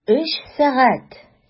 Өч сәгать!